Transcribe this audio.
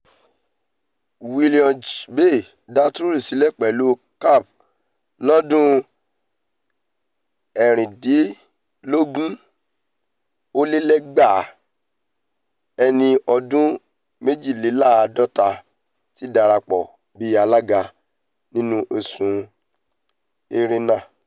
Willoughby dá Truly sílẹ̀ pẹ̀lú Capp lọ́dún 2016 tí Jones, ẹni ọdún méjìléláàádọ́ta, sì darapọ̀ bí alága nínú oṣù Erénà.